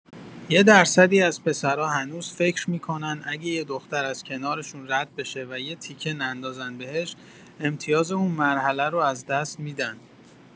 یه درصدی از پسرا هنوز فکر می‌کنن اگه یه دختر از کنارشون رد بشه و یه تیکه نندازن بهش، امتیاز اون مرحله رو از دست می‌دن!